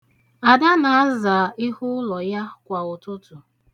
Ada na-aza ihu ụlọ ya kwa ụtụtụ.